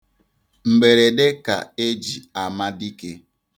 Mberede ka e ji ama dike.